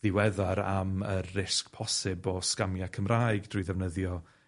diweddar am y risg posib o sgamia' Cymraeg drwy ddefnyddio